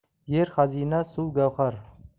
yer xazina suv gavhar